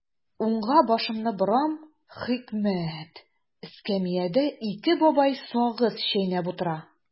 Уңга башымны борам– хикмәт: эскәмиядә ике бабай сагыз чәйнәп утыра.